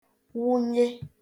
wunye